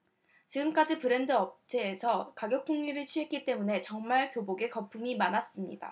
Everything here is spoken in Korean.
지금까지 브랜드 업체에서 가격폭리를 취했기 때문에 정말 교복에 거품이 많았습니다